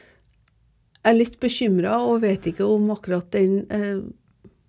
jeg er litt bekymra og vet ikke om akkurat den .